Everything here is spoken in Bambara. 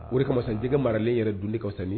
Aaa o de kama sisan jɛgɛ maralen yɛrɛ dunni ka wusa ni